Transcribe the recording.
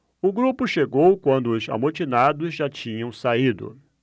o grupo chegou quando os amotinados já tinham saído